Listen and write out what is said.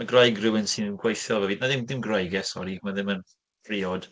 Ma' gwraig rywun sy'n gweithio efo fi... Na, ddim dim gwraig e, sori, mae ddim yn briod.